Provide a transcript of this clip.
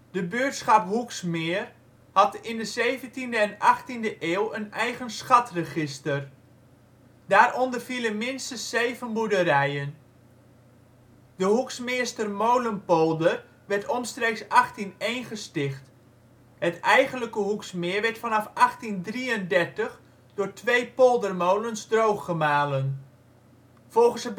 De buurtschap Hoeksmeer had in de zeventiende en achttiende eeuw een eigen schatregister. Daaronder vielen minstens zeven boerderijen. De Hoeksmeerster molenpolder werd omstreeks 1801 gesticht. Het eigenlijke Hoeksmeer werd vanaf 1833 door twee poldermolens drooggemalen. Volgens